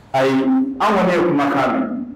Ayi aw ka den kumakan don